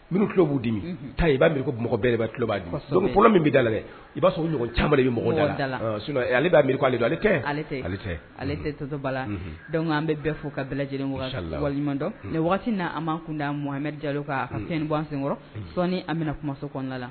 Miri kilo b'u dimi ta i b'ari mɔgɔ bɛɛba tuloloba bolo min bɛ da i b'a sɔrɔ ca ale b'a miri ale ale ale totoba la dɔnku an bɛ bɛɛ fo ka bɛɛ lajɛlen la dɔn waati' an ma kunda mahameri jalo ka fɛn gan senkɔrɔ sɔɔni an bɛna kumaso kɔnɔna la